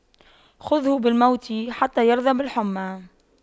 خُذْهُ بالموت حتى يرضى بالحُمَّى